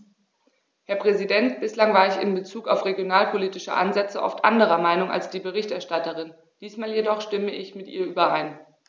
Herr Präsident, bislang war ich in bezug auf regionalpolitische Ansätze oft anderer Meinung als die Berichterstatterin, diesmal jedoch stimme ich mit ihr überein.